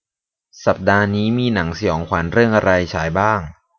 สัปดาห์นี้มีหนังสยองขวัญเรื่องอะไรฉายบ้าง